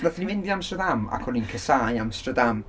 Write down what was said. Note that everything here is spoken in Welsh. Wnaethon ni fynd i Amsterdam, ac o'n i'n casáu Amsterdam.